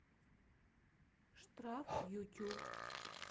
штраф ютюб